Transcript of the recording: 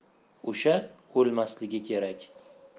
o'sha o'lmasligi kerak